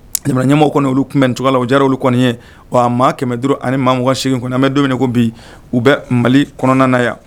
Ɲɛmɔgɔ kɔni olu kunbɛn cogoya la u diyara olu kɔni ye wa maa kɛmɛ duuru ani maaugan segin kɔnɔ bɛ don ko bi u bɛ mali kɔnɔna na yan